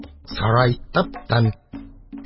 Сарай тып-тын.